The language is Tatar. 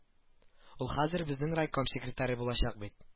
Ул хәзер безнең райком секретаре булачак бит